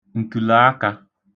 ǹtùlàakā